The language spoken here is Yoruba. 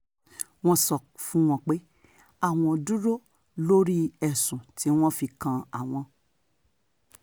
Wọ́n sọ fún wọn wípé àwọn dúró lé oríi ẹ̀sùn tí wọ́n fi kan àwọn.